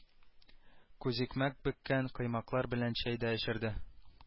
Күзикмәк бөккән коймаклар белән чәй дә эчерде